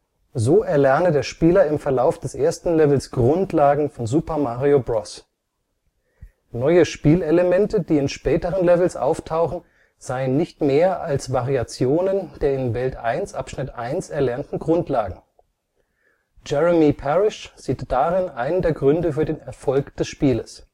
So erlerne der Spieler im Verlauf des ersten Levels Grundlagen von Super Mario Bros. Neue Spielelemente, die in späteren Levels auftauchen, seien nicht mehr als Variationen der in Welt 1-1 erlernten Grundlagen. Jeremy Parish sieht darin einen der Gründe für den Erfolg des Spieles